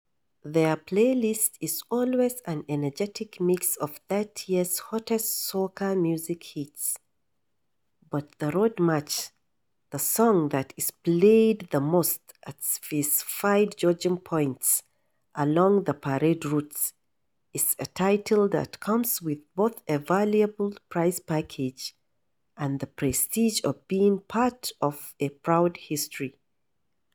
Their playlist is always an energetic mix of that year's hottest soca music hits, but the Road March — the song that is played the most at specified judging points along the parade route — is a title that comes with both a valuable prize package and the prestige of being part of a proud history.